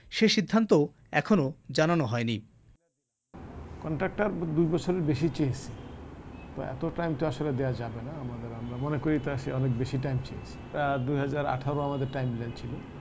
সে সিদ্ধান্ত এখনো জানানো হয়নি কন্ট্রাকটর দুই বছরের বেশি চেয়েছে এত টাইম টা আসলে দেয়া যাবে না আমাদের আমরা মনে করি অনেক বেশি টাইম চেয়েছে ২০১৮ আমাদের টাইম লেঙ্থ ছিল